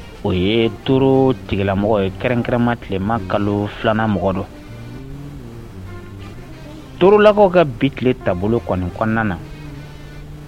O ye toro tigɛlamɔgɔ ye kɛrɛnkɛrɛnma tilema kalo filanan mɔgɔ dɔ torolabɔ ka bi tile taabolo kɔnɔn kɔnɔna na